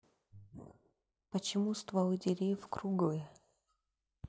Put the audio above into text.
почему стволы деревьев круглые